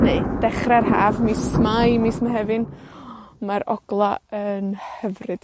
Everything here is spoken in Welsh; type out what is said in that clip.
neu, dechra'r Haf, mis Mai, mis Mehefin. Ma'r ogla' yn hyfryd.